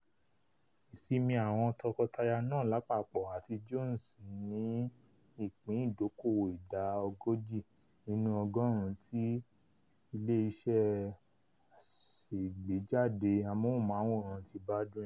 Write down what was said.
Ìsinmi àwọn tọkọtaya náà lápapọ̀ àti Jones ní ìpín ìdóòkòwò ìdá ogójì nínú ọgọ́ọ̀rún ti ilé iṣẹ́ aṣàgbéjáde amóhὺmáwòràán ti Baldwin.